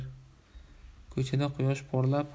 ko'chada quyosh porlar